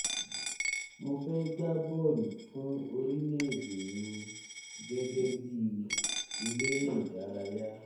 "mo fẹ́ gba bọọlu fún orílẹ̀ èdè mí gẹ́gẹ́ bí eléré ìdárayá.